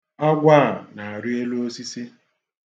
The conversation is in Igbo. Agwọ a na-arị elu osisi.